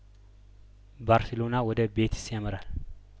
ባርሴሎና ወደ ቤቲስ ያመራል